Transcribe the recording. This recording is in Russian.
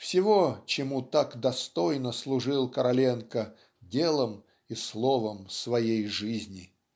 всего, чему так достойно служил Короленко делом и словом своей жизни.